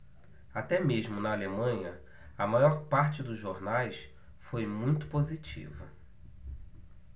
até mesmo na alemanha a maior parte dos jornais foi muito positiva